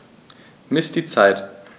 Miss die Zeit.